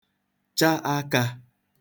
cha akā